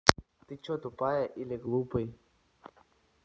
ты че тупая или глупый